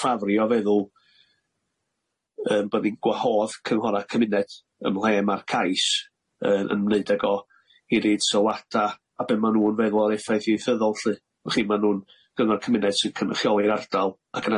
ffafrio feddwl yym bod ni'n gwahodd cynghora' cymuned ym mhlhe ma'r cais yy yn wneud ag o i reid sylwada a be' ma' nw'n feddwl o'r effaith ieithyddol lly felly ma' nw'n gyngor cymuned sy'n cynhychioli'r ardal ag yn